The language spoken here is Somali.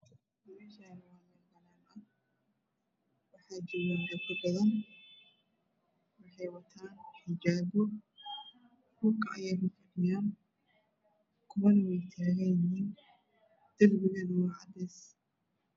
Meeshaani waa hool Waxaa jooga gabdho badan waxay wataan xijaabo dhulka ayay fadhiyaan kuwana way taagan yihiin darbigu waa cadeys.